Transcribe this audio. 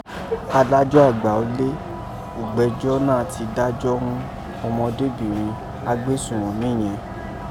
Adájọ àgbà ulé ùgbẹ́jọ́ náà ti dájọ́ ghún ọmọdébìnrẹn agbésúnmọ̀mí yẹ̀n.